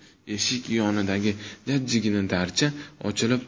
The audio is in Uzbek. eshik yonidagi jajjigina darcha ochilib